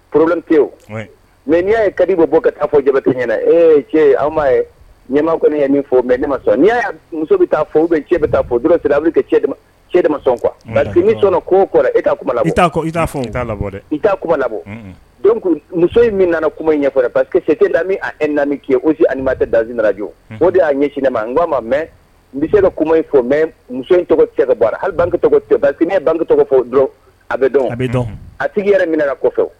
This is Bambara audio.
Porolente o mɛ n'i'a ye kadi bɔ ka fɔkɛ ɲɛna ee cɛ aw ma ye ɲɛma kɔni ne ye nin fɔ mɛ ne ma sɔn n'i muso bɛ taa fo u cɛ bɛ taa fo du siri cɛ de ma sɔn qu kuwa parce que ko kɔrɔ e kuma la i kuma labɔ muso in min nana kuma in ɲɛ ɲɛfɔ parce que tɛda min e naani' osilima tɛ daninaj o de y'a ɲɛsininama n koa mɛ n bɛ se bɛ kuma in fɔ mɛ muso in tɔgɔ cɛ ka bɔ halike tɔgɔya banke tɔgɔ fɔ dɔn a bɛ a tigi yɛrɛ minɛ kɔfɛ